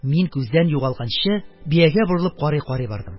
Мин күздән югалганчы, биягә борылып карый-карый бардым.